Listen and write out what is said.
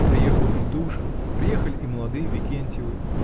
Приехал и Тушин, приехали и молодые Викентьевы.